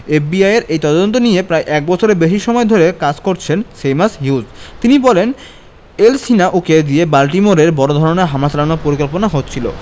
এফবিআইয়ের এই তদন্ত নিয়ে প্রায় এক বছরের বেশি সময় ধরে কাজ করেছেন সেইমাস হিউজ তিনি বলেন এলসহিনাউয়িকে দিয়ে বাল্টিমোরে বড় ধরনের হামলা চালানোর পরিকল্পনা হচ্ছিল